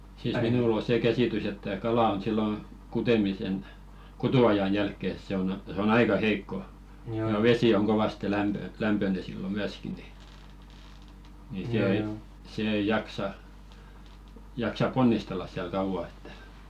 siis minulla on se käsitys että kala on silloin kutemisen kutuajan jälkeen se on se on aika heikko ja vesi on kovasti - lämpöinen silloin myöskin niin niin se ei se ei jaksa jaksa ponnistella siellä kauan että